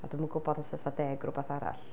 A dwi'm yn gwybod os oes 'na deg rywbeth arall.